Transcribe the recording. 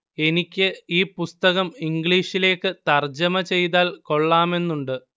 എനിക്ക് ഈ പുസ്തകം ഇംഗ്ലീഷിലേക്ക് തർജ്ജമ ചെയ്താൽ കൊള്ളാമെന്നുണ്ട്